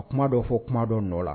A kuma dɔw fɔ kuma dɔn n nɔ la